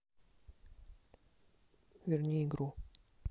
верни игру